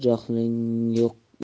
johilliging yo'q etar